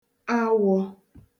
awọ̄